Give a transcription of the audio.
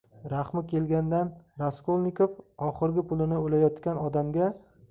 rahmi kelganidan raskolnikov oxirgi pulini o'layotgan odamga